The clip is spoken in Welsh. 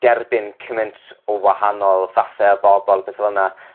derbyn cymynt o wahanol fathe o bobol betha fel 'na